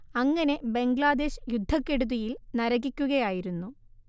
അങ്ങനെ ബംഗ്ലാദേശ് യുദ്ധക്കെടുതിയിൽ നരകിക്കുകയായിരുന്നു